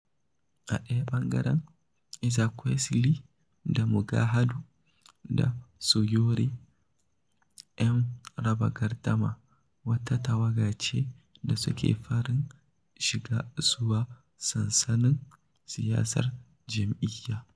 A ɗaya ɓangaren, Ezekwesili da Moghalu da Sowore 'yan "raba-gardama" wata tawaga ce da suke farin shiga zuwa sansanin siyasar jam'iyya.